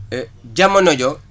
jamono jo